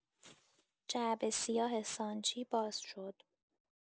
جعبه سیاه سانچی باز شد